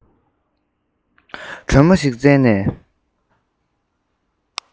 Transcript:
དྲོན མོ ཞིག བཙལ ནས